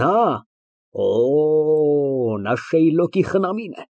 Նա, օ, նա Շեյլոկի խնամին է։